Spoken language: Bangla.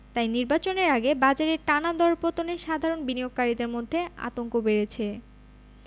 তাই নির্বাচনের আগে বাজারের টানা দরপতনে সাধারণ বিনিয়োগকারীদের মধ্যে আতঙ্ক বেড়েছে